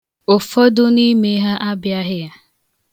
Ụfọdụ n'ime ha abịaghị.